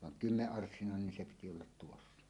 vaan kymmenenarssinainen niin se piti olla tuossa